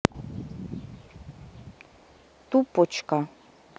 тупочка